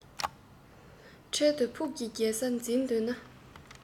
འཕྲལ དང ཕུགས ཀྱི རྒྱལ ས འཛིན འདོད ན